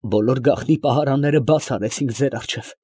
Բոլոր գաղտնի պահարանները բաց արեցինք ձեր առջև։